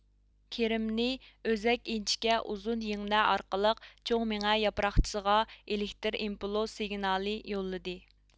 كرېمنىي ئۆزەك ئىنچىكە ئۇزۇن يىڭنە ئارقىلىق چوڭ مېڭە ياپراقچىسىغا ئېلېكتر ئىمپولىس سىگنالى يوللىدى